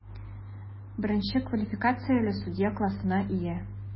Беренче квалификацияле судья классына ия.